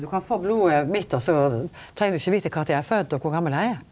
du kan få blodet mitt og så treng du ikkje vita kva tid eg er fødd og kor gammal eg er?